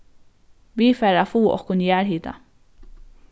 vit fara at fáa okkum jarðhita